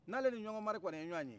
n'ale ni ɲɔngɔn mari kɔni ye ɲwanye